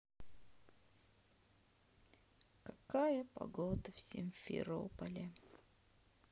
какая погода в симферополе